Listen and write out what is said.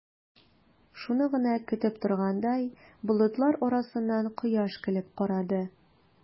Шуны гына көтеп торгандай, болытлар арасыннан кояш көлеп карады.